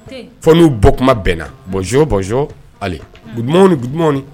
Fɔ n'u bɔ kuma bɛnna bozo bozo duman duman